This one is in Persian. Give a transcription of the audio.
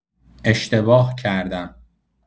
اشتباه کردم.